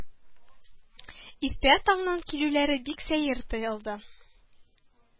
Иртә таңнан килүләре бик сәер тоелды